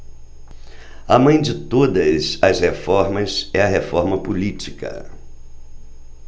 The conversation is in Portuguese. a mãe de todas as reformas é a reforma política